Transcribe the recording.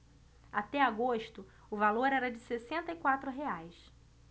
até agosto o valor era de sessenta e quatro reais